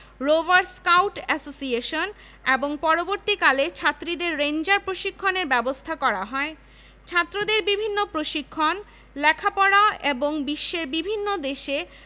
বরাবরই বিশ্ববিদ্যালয় দল বিভিন্ন ক্রীড়াক্ষেত্রে বিশেষ ভূমিকা রাখছে ১৯২৩ সালে ইউনিভার্সিটি অফিসার্স ট্রেইনিং ক্রপ্স ইউওটিসিগঠন করা হয়